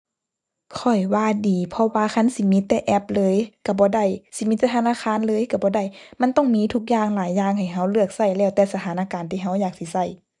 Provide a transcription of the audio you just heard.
ข้อยว่าดี เพราะว่าคันสิมีแต่แอปเลยก็บ่ได้ สิมีแต่ธนาคารเลยก็บ่ได้ มันต้องมีทุกอย่างหลายอย่างให้ก็เลือกก็ แล้วแต่สถานการณ์ที่ก็อยากสิก็